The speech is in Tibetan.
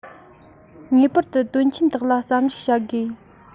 ངེས པར དུ དོན ཆེན དག ལ བསམ གཞིགས བྱ དགོས